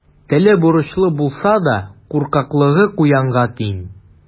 Минем хәлемне белүе алтын-көмештән дә кадерле.